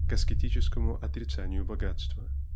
к аскетическому отрицанию богатства.